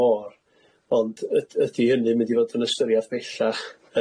môr ond yd- ydi hynny'n mynd i fod yn ystyriaeth bellach?